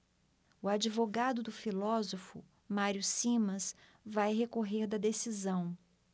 o advogado do filósofo mário simas vai recorrer da decisão